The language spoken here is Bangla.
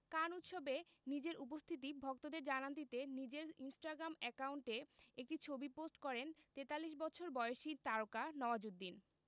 কান উৎসবে নিজের উপস্থিতি ভক্তদের জানান দিতে নিজের ইনস্টাগ্রাম অ্যাকাউন্টে একটি ছবি পোস্ট করেন ৪৩ বছর বয়সী তারকা নওয়াজুদ্দিন